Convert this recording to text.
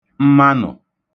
mmanụ̀